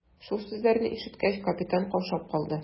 Шул сүзләрне ишеткәч, капитан каушап калды.